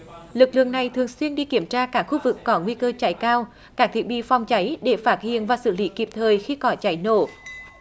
lực lượng này thường xuyên đi kiểm tra các khu vực có nguy cơ cháy cao các thiết bị phòng cháy để phát hiện và xử lý kịp thời khi có cháy nổ